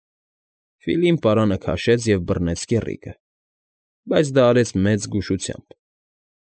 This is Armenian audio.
Ֆիլին պարանը քաշեց և բռնեց կեռիկը, բայց դա արեց մեծ զգուշությամբ։